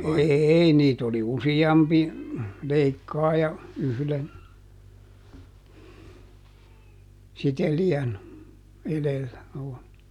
ei niitä oli useampi leikkaaja yhden sitelijän edellä